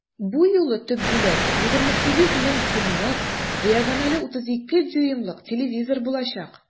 Бу юлы төп бүләк 28 мең сумлык диагонале 32 дюймлык телевизор булачак.